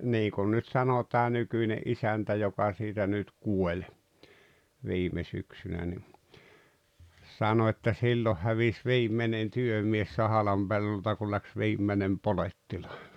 niin kuin nyt sanoi tämä nykyinen isäntä joka siitä nyt kuoli viime syksynä niin sanoi että silloin hävisi viimeinen työmies Sahalan pellolta kun lähti viimeinen polettilainen